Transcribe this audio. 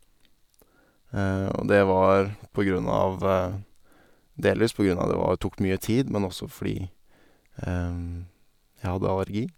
Og det var på grunn av delvis på grunn av det var tok mye tid, men også fordi jeg hadde allergi.